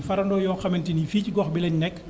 farandoo yoo xamante ni fii ci gox bi la ñu nekk